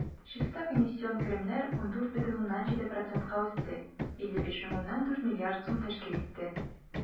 Чиста комиссион керемнәр 14,7 %-ка үсте, 55,4 млрд сум тәшкил итте.